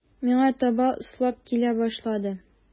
Миңа таба ыслап килә башлады.